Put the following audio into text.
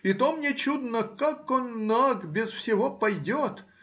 И то мне чудно: как он наг безо всего пойдет?